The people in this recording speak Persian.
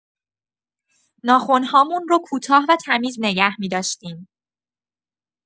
ناخن‌هامون رو کوتاه و تمیز نگه می‌داشتیم.